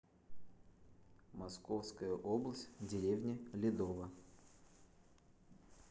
московская область деревня ледово